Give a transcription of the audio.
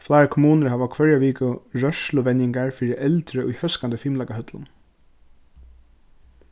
fleiri kommunur hava hvørja viku rørsluvenjingar fyri eldri í hóskandi fimleikahøllum